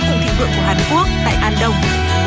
hàn quốc tại an đông